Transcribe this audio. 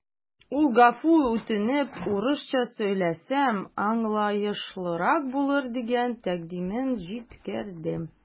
Ул гафу үтенеп, урысча сөйләсәм, аңлаешлырак булыр дигән тәкъдимен җиткерде.